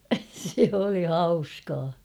se oli hauskaa